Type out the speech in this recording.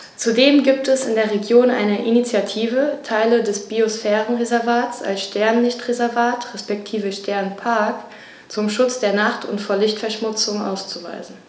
Zudem gibt es in der Region eine Initiative, Teile des Biosphärenreservats als Sternenlicht-Reservat respektive Sternenpark zum Schutz der Nacht und vor Lichtverschmutzung auszuweisen.